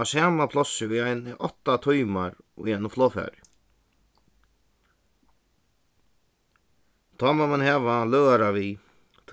á sama plássi í eini átta tímar í einum flogfari tá má mann hava løðara við